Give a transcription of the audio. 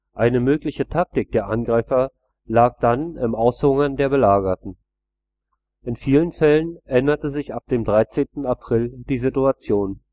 Eine mögliche Taktik der Angreifer lag dann im Aushungern der Belagerten. In vielen Fällen änderte sich ab dem 13. April die Situation